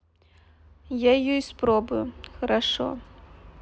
я ее испробую хорошо